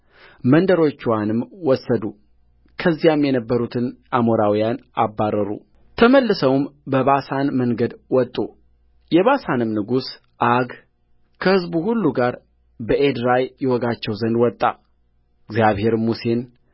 መንደሮችዋንም ወሰዱ በዚያም የነበሩትን አሞራውያን አባረሩተመልሰውም በበሳን መንገድ ወጡ የባሳንም ንጉሥ ዐግ ከሕዝቡ ሁሉ ጋር በኤድራይ ይወጋቸው ዘንድ ወጣእግዚአብሔርም ሙሴን